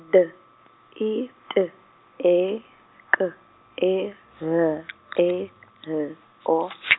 D I T E K E L E L O.